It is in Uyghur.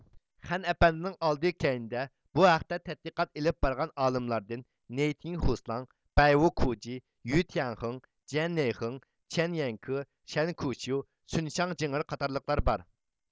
خەن ئەپەندىنىڭ ئالدى كەينىدە بۇ ھەقتە تەتقىقات ئېلىپ بارغان ئالىملاردىن نېيتىڭ خۇسىلاڭ بەيۋۇكۇجى يۈتيەنخېڭ جيەننېيخېڭ چېنيەنكې شەنكۇشيۇ سۇنشاڭ جېڭئېر قاتارلىقلار بار